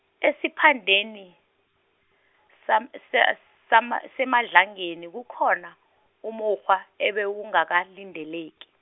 esiphandeni, sam- se- sama- seMadlangeni kukhona, umukghwa ebe ungakalindeleki.